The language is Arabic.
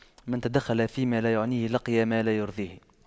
من تَدَخَّلَ فيما لا يعنيه لقي ما لا يرضيه